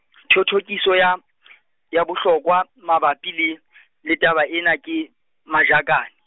thothokiso ya , ya bohlokwa mabapi le , le taba ena ke, Majakane.